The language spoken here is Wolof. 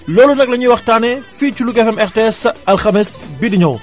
loolu nag lañuy waxtaanee fii ci Louga FM RTS alxames bii di ñëw